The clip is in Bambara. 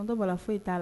N' fo foyi'a la